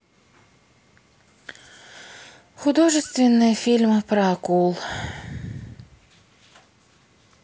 художественные фильмы про акул